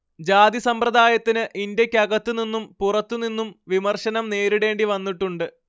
ജാതിസമ്പ്രദായത്തിനു ഇന്ത്യക്കകത്തുനിന്നും പുറത്തുനിന്നും വിമർശനം നേരീടേണ്ടിവന്നിട്ടുണ്ട്